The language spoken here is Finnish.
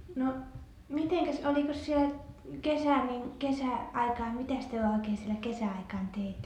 no mitenkäs olikos siellä kesällä niin kesäaikaan mitäs teillä oikein siellä kesäaikaan teitte